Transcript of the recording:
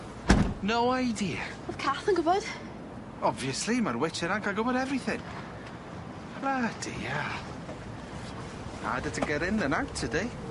No idea! O'dd Kath yn gwbo. Obviously ma'r whitch yna ca'l gwbo everything. Bloody ell. Arder to ger in than out today.